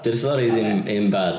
'Di'r storîs ddim dim bad.